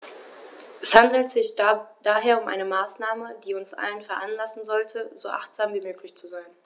Es handelt sich daher um eine Maßnahme, die uns alle veranlassen sollte, so achtsam wie möglich zu sein.